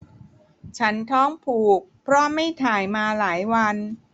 ฉันท้องผูกเพราะไม่ถ่ายมาหลายวัน